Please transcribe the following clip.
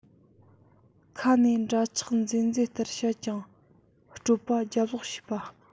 ཁ ནས འདྲ ཆགས མཛེས མཛེས ལྟར བཤད ཀྱང སྤྱོད པ རྒྱབ ལོག བྱེད པ